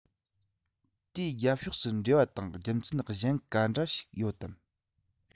དེའི རྒྱབ ཕྱོགས སུ འབྲེལ བ དང རྒྱུ མཚན གཞན ག འདྲ ཞིག ཡོད དམ